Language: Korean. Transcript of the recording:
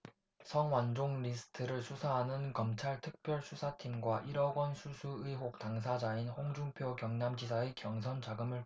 성완종 리스트를 수사하는 검찰 특별수사팀과 일 억원 수수 의혹 당사자인 홍준표 경남지사의 경선 자금을 둘러싼 설전이 이어지고 있다